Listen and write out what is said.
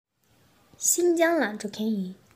ཤིན ཅང ལ འགྲོ མཁན ཡིན